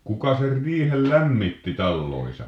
kuka sen riihen lämmitti taloissa